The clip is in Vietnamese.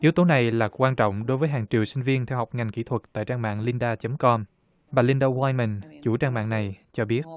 yếu tố này là quan trọng đối với hàng triệu sinh viên theo học ngành kỹ thuật tại trang mạng lin đa chấm com bà lin đa oai mờn chủ trang mạng này cho biết